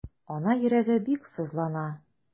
Ана йөрәге бик сызлана.